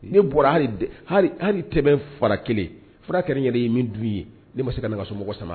Ne bɔra tɛmɛ fara kelen fara kɛra yɛlɛ ye min dun ye ne ma se ka ka somɔgɔ sama